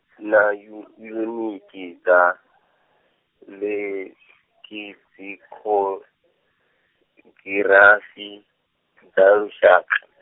na yu-, yuniti dza, lekizikhogirafi, dza lushaka.